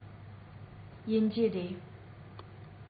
ཡིན གྱི རེད